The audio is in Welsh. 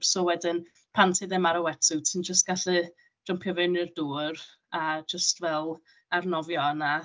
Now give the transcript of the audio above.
So wedyn pan ti ddim ar y wetsuit, ti'n jyst gallu jympio fewn i'r dŵr, a jyst fel arnofio yna.